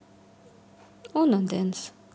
уно дэнс